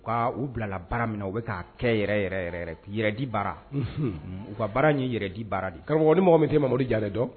U k ka u bilala baara min u bɛ ka kɛ yɛrɛ yɛrɛ di bara u ka baara ye yɛrɛ di baara di karamɔgɔ ni mɔgɔ min tɛ mamadu ja dɔn